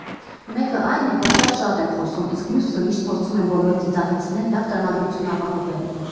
Մեկը այն է, որ շատ֊շատ եմ խոսում, իսկ մյուսը՝ միշտ փորձում եմ բոլորին ծիծաղեցնել, լավ տրամադրություն ապահովել։